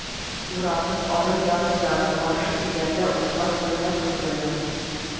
Урамның ары ягындагы каршы өйләрдә утлар күренә түгелме